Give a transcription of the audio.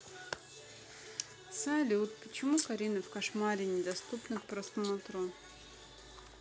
салют почему карина в кошмаре не доступна к просмотру